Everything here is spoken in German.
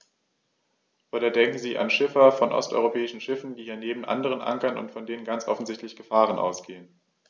Oder denken Sie an Schiffer von osteuropäischen Schiffen, die hier neben anderen ankern und von denen ganz offensichtlich Gefahren ausgehen.